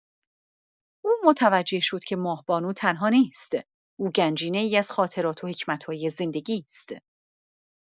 او متوجه شد که ماه‌بانو تنها نیست؛ او گنجینه‌ای از خاطرات و حکمت‌های زندگی است.